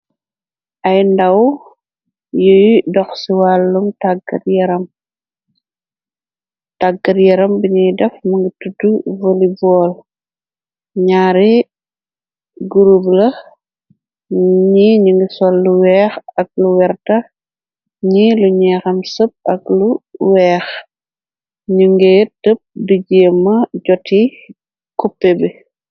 Ay ndaw yuy dox ci wàllum tàggat yaram, taggat yaram biñuy def mingi tudd voli bool, ñaari gurob la, ñi ñu ngi sol lu weex ak lu werta, ñi lu ñeexam sep ak lu weex, ñu ngi tëpp di jéema joti kuppe bi.